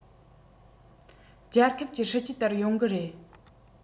རྒྱལ ཁབ ཀྱི སྲིད ཇུས ལྟར ཡོང གི རེད